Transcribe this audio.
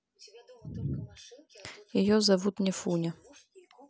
ее зовут не фуня